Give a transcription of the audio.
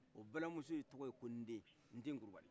a balima muso de tɔgɔ ye ko nde nden coulibali